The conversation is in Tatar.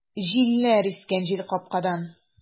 Җилләр искән җилкапкадан!